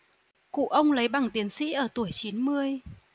cụ ông lấy bằng tiến sỹ ở tuổi chín mươi